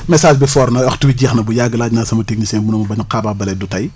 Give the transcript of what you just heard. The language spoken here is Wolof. message bi fort na waxtu wi jeex na bu yàgg laaj naa sama technicien bi mu ne ma ba ñu xaabaabalee du tey